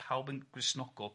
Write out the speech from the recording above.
pawb yn Gristnogol.